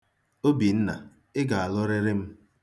Obinna, ị ga-alụrịrị m.